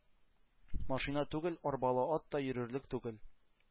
Машина түгел, арбалы ат та йөрерлек түгел.